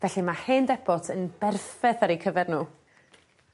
Felly ma' hen debot yn berffeth ar 'u cyfer n'w.